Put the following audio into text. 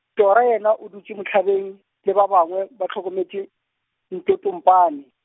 Tora yena o dutše mohlabeng, le ba bangwe ba hlokometše, Ntotompane.